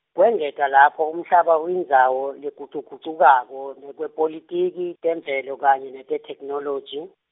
kwengeta lapho umhlaba uyindzawo legucugucukako, ngekwepolitiki, temvelo, kanye netethekhinoloji.